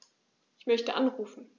Ich möchte anrufen.